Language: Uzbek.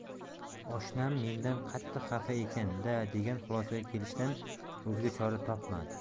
oshnam mendan qattiq xafa ekan da degan xulosaga kelishdan o'zga chora topmadi